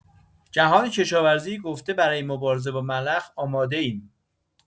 جهادکشاورزی گفته برای مبارزه با ملخ آماده‌ایم.